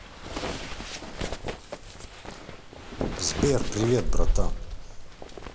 сбер привет братан